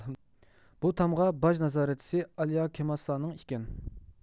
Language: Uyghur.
بۇ تامغا باج نازارەتچىسى ئالياكېمماسانىڭ ئىكەن